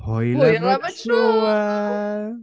Hwyl am y tro!